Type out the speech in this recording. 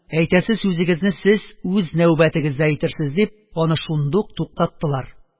Әйтәсе сүзегезне сез үз нәүбәтегездә әйтерсез, – дип, аны шундук туктаттылар.